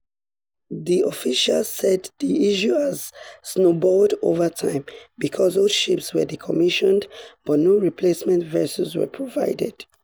The official said the issue has snowballed over time, because old ships were decommissioned but no replacement vessels were provided.